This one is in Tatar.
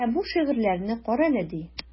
Менә бу шигырьләрне карале, ди.